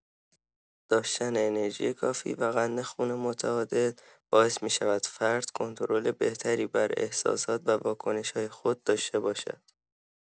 داشتن انرژی کافی و قند خون متعادل باعث می‌شود فرد کنترل بهتری بر احساسات و واکنش‌های خود داشته باشد.